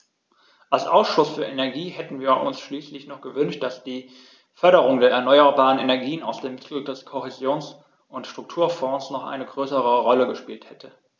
Als Ausschuss für Energie hätten wir uns schließlich noch gewünscht, dass die Förderung der erneuerbaren Energien aus den Mitteln des Kohäsions- und Strukturfonds eine noch größere Rolle gespielt hätte.